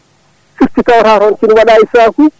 firti tawata toon kene waɗa e sakuji